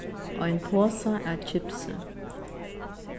ein posa av kipsi